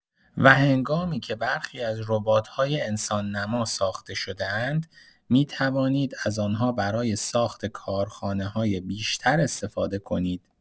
و هنگامی‌که برخی از ربات‌های انسان‌نما ساخته شده‌اند، می‌توانید از آنها برای ساخت کارخانه‌های بیشتر استفاده کنید.